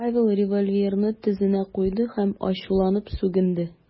Павел револьверны тезенә куйды һәм ачуланып сүгенде .